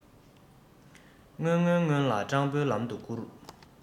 སྔོན སྔོན སྔོན ལ སྤྲང པོའི ལམ ཏུ སྐུར